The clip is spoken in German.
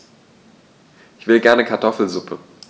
Ich will gerne Kartoffelsuppe.